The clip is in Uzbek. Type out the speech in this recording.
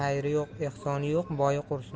xayri yo'q ehsoni yo'q boyi qursin